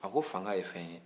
ko fanka ye fɛn ye